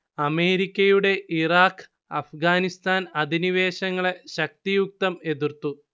അമേരിക്കയുടെ ഇറാഖ് അഫ്ഗാനിസ്താൻ അധിനിവേശങ്ങളെ ശക്തിയുക്തം എതിർത്തു